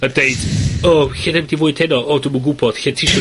...a deud o, lle ni mynd i fwyd heno? O dwi'm yn gwbod, lle tisio